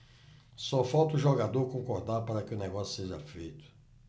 só falta o jogador concordar para que o negócio seja feito